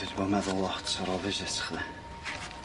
Dwi 'di bo' yn meddwl lot ar ôl visits chdi.